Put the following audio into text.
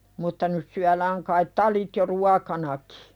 mutta nyt syödään kai talit jo ruokana